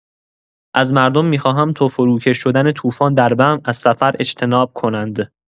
از مردم می‌خواهم تا فروکش شدن طوفان در بم، از سفر اجتناب کنند.